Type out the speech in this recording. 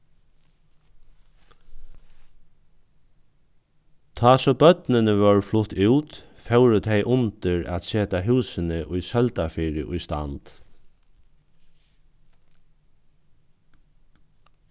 tá so børnini vóru flutt út fóru tey undir at seta húsini í søldarfirði í stand